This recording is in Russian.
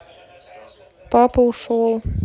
папа ушел